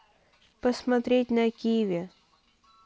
посмотреть на киви